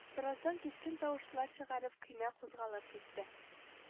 Бераздан кискен тавышлар чыгарып көймә кузгалып китте